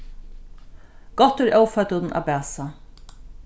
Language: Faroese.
gott er óføddum at bæsa